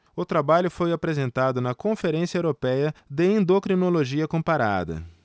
o trabalho foi apresentado na conferência européia de endocrinologia comparada